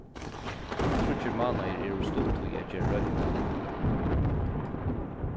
tríggir mánaðir er ov stutt tíð at gera royndina lidna